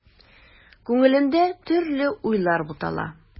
Күңелендә төрле уйлар бутала.